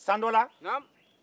san dɔ la